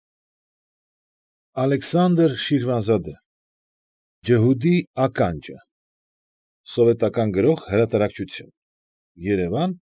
Ալեքսանդր Շիրվանզադե, Ջհուդի ականջը, Սովետական Գրող Հրատարակչություն Երևան։